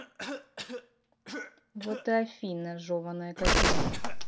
вот и афина жеваная казлина